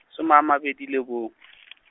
soma a mabedi le bo- .